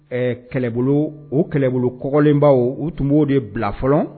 Ɛɛ kɛlɛbolo o kɛlɛbolo kɔlenbaw u tun b'o de bila fɔlɔ